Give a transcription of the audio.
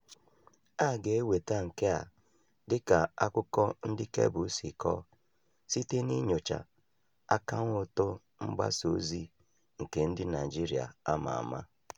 A ga-enweta nke a, dị ka akụkọ ndị Cable si kọọ, site n'inyocha akaụntụ mgbasa ozi nke "ndị Naịjirịa a ma ama".